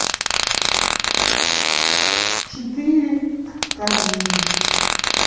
четыре к камин